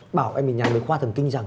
bảo em ấy nhắn với khoa thần kinh rằng